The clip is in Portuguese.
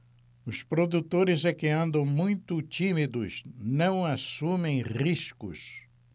os produtores é que andam muito tímidos não assumem riscos